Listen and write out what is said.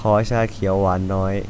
ขอชาเขียวหวานน้อย